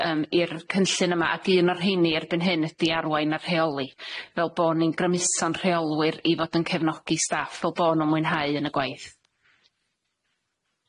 yym i'r cynllun yma ag un o rheini erbyn hyn ydi arwain a rheoli fel bo' ni'n grymuso'n rheolwyr i fod yn cefnogi staff, fel bo' nw'n mwynhau yn y gwaith.